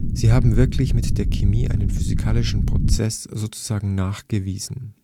Sie haben wirklich mit der Chemie einen physikalischen Prozeß sozusagen nachgewiesen